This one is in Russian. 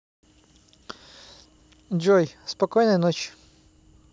джой ты спокой ночи